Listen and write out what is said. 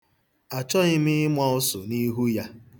Achọghị m ịma ọsụ n'ihu ya.